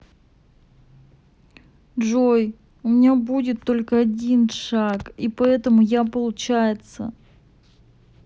джой у меня будут только один шаг и поэтому я получается